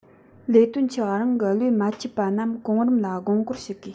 ལས དོན ཆེ བ རང གི བློས མ འཁྱུད པ རྣམས གོང རིམ ལ དགོངས སྐོར ཞུ དགོས